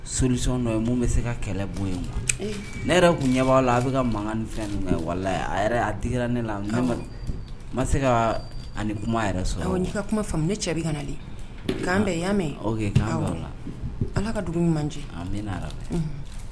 Sosɔn mun bɛ se ka kɛlɛ bon yen ne yɛrɛ tun ɲɛ'a la a bɛ ka makan ni fɛn a digira ne la n ma se ka ni kuma yɛrɛ sɔrɔ ka kuma faamu ne cɛ bɛ ka na k'an bɛn yan ala ka dugu man an